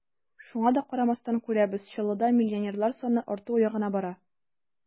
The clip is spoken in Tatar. Шуңа да карамастан, күрәбез: Чаллыда миллионерлар саны арту ягына бара.